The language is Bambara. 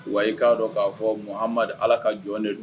Wa i'a dɔn k'a fɔmadu ala ka jɔn de